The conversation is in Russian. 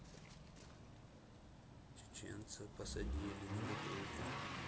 чеченца посадили на бутылку